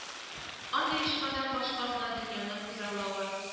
Андый оешмадан башка гына дөньяны күзаллавы